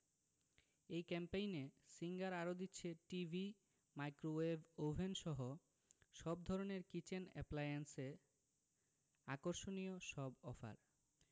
এই ক্যাম্পেইনে সিঙ্গার আরো দিচ্ছে টিভি মাইক্রোওয়েভ ওভেনসহ সব ধরনের কিচেন অ্যাপ্লায়েন্সে আকর্ষণীয় সব অফার